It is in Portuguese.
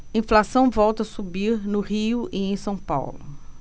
inflação volta a subir no rio e em são paulo